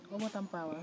Obatamba